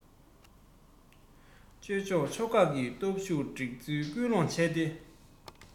སྤྱོད ཆོག ཕྱོགས ཁག གི སྟོབས ཤུགས སྒྲིག འཛུགས སྐུལ སློང བྱས ཏེ